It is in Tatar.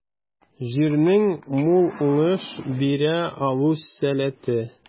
Җирнең мул уңыш бирә алу сәләте.